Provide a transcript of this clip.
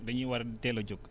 dañuy war di teel a jóg